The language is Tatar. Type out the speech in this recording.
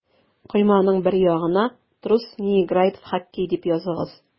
Койманың бер ягына «Трус не играет в хоккей» дип языгыз.